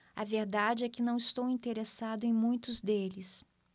a verdade é que não estou interessado em muitos deles